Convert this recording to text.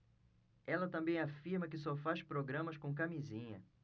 ela também afirma que só faz programas com camisinha